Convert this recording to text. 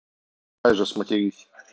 ну давай же сматерись